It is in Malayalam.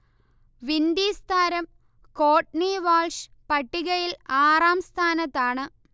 വിൻഡീസ് താരം കോട്നി വാൽഷ് പട്ടികയിൽ ആറാം സ്ഥാനത്താണ്